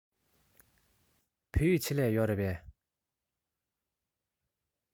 བོད ཡིག ཆེད ལས ཡོད རེད པས